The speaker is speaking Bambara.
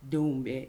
Denw bɛ